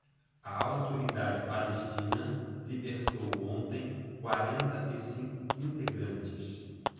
a autoridade palestina libertou ontem quarenta e cinco integrantes